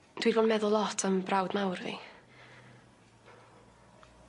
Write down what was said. Dwi 'di fo' yn meddwl lot am brawd mawr fi.